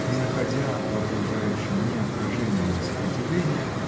не находя в окружающем ни отражения ни сопротивления